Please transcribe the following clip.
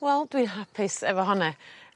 Wel dwi hapus efo honne